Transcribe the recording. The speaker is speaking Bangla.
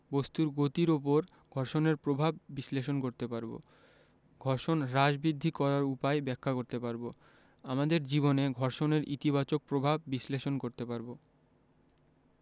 বস্তুর গতির উপর ঘর্ষণের প্রভাব বিশ্লেষণ করতে পারব ঘর্ষণ হ্রাস বৃদ্ধি করার উপায় ব্যাখ্যা করতে পারব আমাদের জীবনে ঘর্ষণের ইতিবাচক প্রভাব বিশ্লেষণ করতে পারব